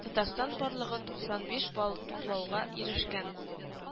Татарстан барлыгы туксан биш балл туплауга ирешкән